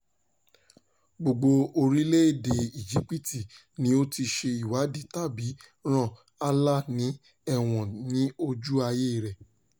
Gbogbo olórí orílẹ̀-èdè Íjípìtì ni ó ti ṣe ìwádìí tàbí rán Alaa ní ẹ̀wọ̀n ní ojú ayée rẹ̀.